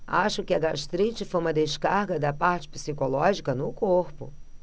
acho que a gastrite foi uma descarga da parte psicológica no corpo